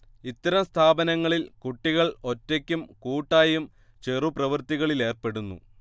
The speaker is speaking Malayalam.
ഇത്തരം സ്ഥാപനങ്ങളിൽ കുട്ടികൾ ഒറ്റയ്ക്കും കൂട്ടായും ചെറുപ്രവൃത്തികളിലേർപ്പെടുന്നു